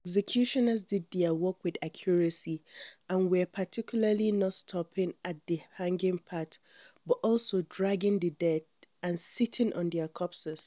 The executioners did their work with accuracy, and were actually not stopping at the hanging part, but also dragging the dead and sitting on their corpses.